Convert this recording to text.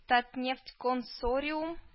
Татнефтьконсориум